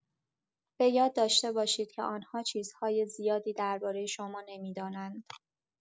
بۀاد داشته باشید که آن‌ها چیزهای زیادی را درباره شما نمی‌دانند.